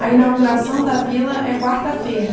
a inauguração da vila é quarta feira